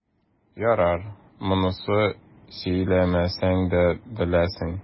Ярар, монысын сөйләмәсәм дә беләсең.